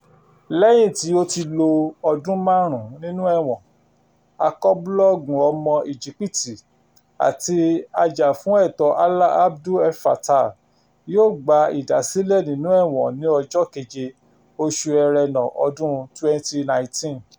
Lẹ́yìn tí ó ti lo ọdún 5 nínú ẹ̀wọ̀n, akọbúlọ́ọ̀gù ọmọ Íjípìtì àti ajàfúnẹ̀tọ́ Alaa Abd El Fattah yóò gba ìdásílẹ̀ nínú ẹ̀wọ̀n ní ọjọ́ 7, oṣù Ẹrẹ́nà, ọdún 2019.